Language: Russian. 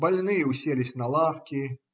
больные уселись на лавки